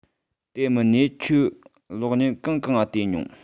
དེ མིན ནས ཁྱོས གློག བརྙན གང གང ང བལྟས མྱོང